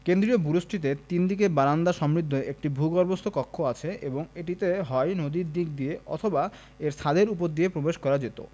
কেন্দ্রীয় বুরুজটিতে তিন দিকে বারান্দা সমৃদ্ধ একটি ভূগর্ভস্থ কক্ষ আছে এবং এটিতে হয় নদীর দিক দিয়ে অথবা এর ছাদের উপর দিয়ে প্রবেশ করা যেত